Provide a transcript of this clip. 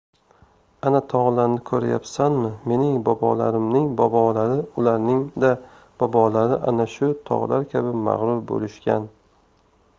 ana tog'larni ko'ryapsanmi mening bobolarimning bobolari ularning da bobolari ana shu tog'lar kabi mag'rur bo'lishgan